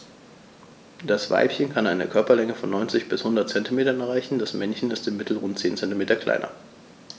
Das Weibchen kann eine Körperlänge von 90-100 cm erreichen; das Männchen ist im Mittel rund 10 cm kleiner.